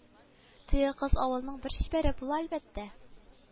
Теге кыз авылның бер чибәре була әлбәттә